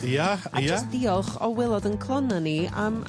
Ia ia. A jyst diolch o wilod 'yn clona ni am